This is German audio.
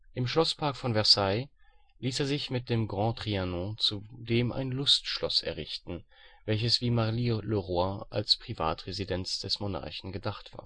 Im Schlosspark von Versailles ließ er sich mit dem Grand Trianon zudem ein Lustschloss errichten, welches wie Marly-le-Roi als Privatresidenz des Monarchen gedacht